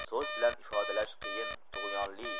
so'z bilan ifodalash qiyin tug'yonli